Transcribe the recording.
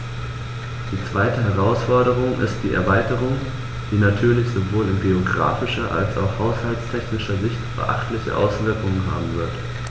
Die zweite Herausforderung ist die Erweiterung, die natürlich sowohl in geographischer als auch haushaltstechnischer Sicht beachtliche Auswirkungen haben wird.